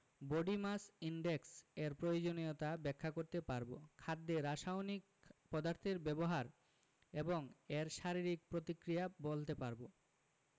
body mass index এর প্রয়োজনীয়তা ব্যাখ্যা করতে পারব খাদ্যে রাসায়নিক পদার্থের ব্যবহার এবং এর শারীরিক প্রতিক্রিয়া বলতে পারব